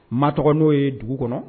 Ma tɔgɔ no ye dugu kɔnɔ.